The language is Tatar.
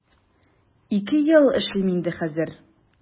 Ике ел эшлим инде хәзер.